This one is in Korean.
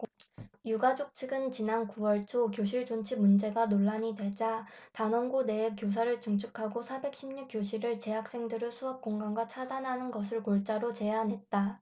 유가족 측은 지난 구 월초 교실 존치 문제가 논란이 되자 단원고 내에 교사를 증축하고 사백 십 육 교실을 재학생들의 수업 공간과 차단하는 것을 골자로 제안했다